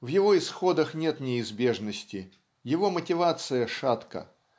В его исходах нет неизбежности, его мотивация шатка.